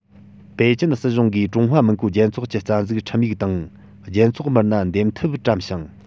པེ ཅིན སྲིད གཞུང གིས ཀྲུང ཧྭ མིན གོའི རྒྱལ ཚོགས ཀྱི རྩ འཛུགས ཁྲིམས ཡིག དང རྒྱལ ཚོགས མི སྣ འདེམ ཐབས བཀྲམ ཞིང